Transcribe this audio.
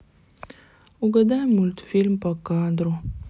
угадай мультфильм по кадру